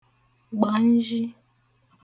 gbanzhi